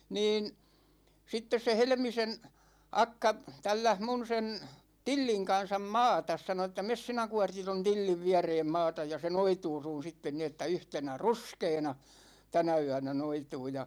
niin sitten se Helmisen akka tälläsi minun sen Tillin kanssa maata sanoi että mene sinä Kuortti tuon Tillin viereen maata ja se noituu sinun sitten niin että yhtenä ruskeana tänä yönä noituu ja